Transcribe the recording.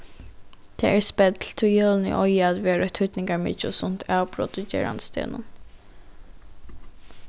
tað er spell tí jólini og eiga at vera eitt týdningarmikið og sunt avbrot í gerandisdegnum